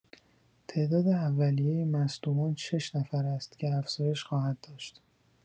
تعداد اولیه مصدومان ۶ نفر است که افزایش خواهد داشت.